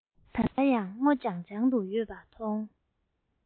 ད ལྟ ཡང སྔོ ལྗང ལྗང དུ ཡོད པ མཐོང